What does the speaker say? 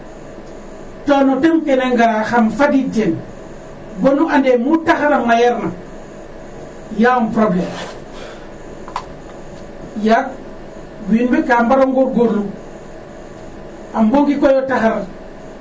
Ndaa no tem ke nene na ngara xam fadiid teen bonu ande mu taxar a mayeerna y a un probleme yaag wiin we ga mbaro ngoorngoorlu a mbongikooyo taxar ke.